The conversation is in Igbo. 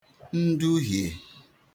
nduhìè